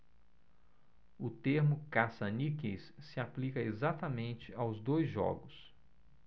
o termo caça-níqueis se aplica exatamente aos dois jogos